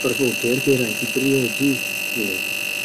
Gorfodir Geraint i briodi Enid.